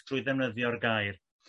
drwy ddefnyddio'r gair.